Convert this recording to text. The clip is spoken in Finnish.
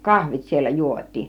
kahvit siellä juotiin